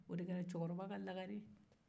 o de kɛra cɛkɔrɔba ka lagare ye